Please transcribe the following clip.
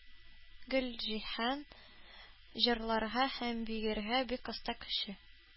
Гөлҗиһан җырларга һәм биергә бик оста кеше.